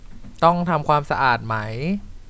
ต้องทำความสะอาดไหม